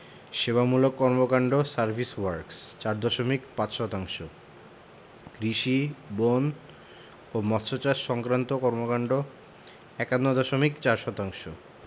সেবামূলক কর্মকান্ড service works ৪ দশমিক ৫ শতাংশ কৃষি বন ও মৎসচাষ সংক্রান্ত কর্মকান্ড ৫১ দশমিক ৪ শতাংশ